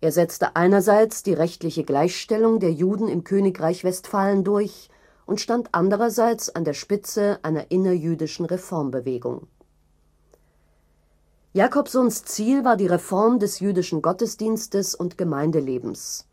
setzte einerseits die rechtliche Gleichstellung der Juden im Königreich Westphalen durch und stand andererseits an der Spitze einer innerjüdischen Reformbewegung. Jacobsons Ziel war die Reform des jüdischen Gottesdienstes und Gemeindelebens